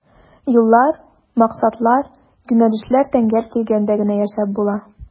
Юллар, максатлар, юнәлешләр тәңгәл килгәндә генә яшәп була.